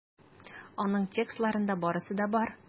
Аның текстларында барысы да бар.